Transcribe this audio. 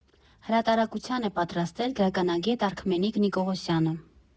Հրատարակության է պատրաստել գրականագետ Արքմենիկ Նիկողոսյանը։